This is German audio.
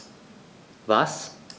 Was?